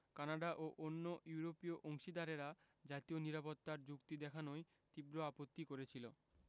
Canada ও অন্য ইউরোপীয় অংশীদারেরা জাতীয় নিরাপত্তা র যুক্তি দেখানোয় তীব্র আপত্তি করেছিল